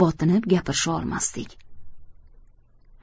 botinib gapirisha olmasdik